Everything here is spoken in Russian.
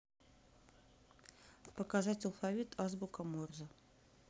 показать алфавит азбука морза